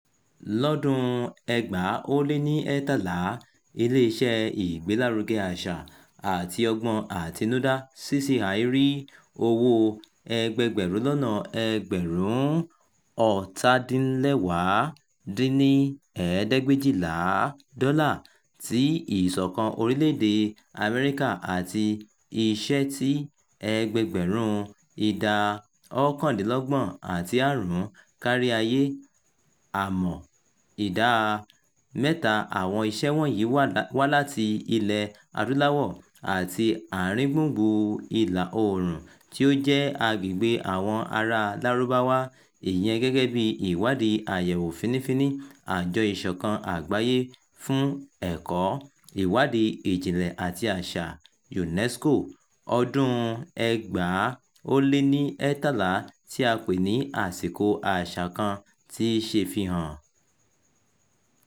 Lọ́dún-un 2013, iléeṣẹ́ ìgbélárugẹ àṣà àti ọgbọ́n àtinudá (CCI) rí owó ẹgbẹẹgbẹ̀rún-lọ́nà-ẹgbẹ̀rún 2,250 dollar ti Ìṣọ̀kan Orílẹ̀-èdèe Amẹ́ríkà àti iṣẹ́ tí ẹgbẹẹgbẹ̀rún 29.5 kárí ayé [àmọ́] ìdá 3 àwọn iṣẹ́ wọ̀nyí wá láti Ilẹ̀-Adúláwọ̀ àti Àárín gbùngbùn Ìlà-Oòrùn tí ó jẹ́ agbègbè àwọn aráa Lárúbáwá, ìyẹn gẹ́gẹ́ bí ìwádìí àyẹ̀wò fínnífínní Àjọ Ìṣọ̀kan Àgbáyé fún Ẹ̀kọ́, Ìwádìí Ìjìnlẹ̀ àti Àṣà (UNESCO) ọdún-un 2013 tí a pè ní “Àsìkò Àṣà” kan ti ṣe fi hàn.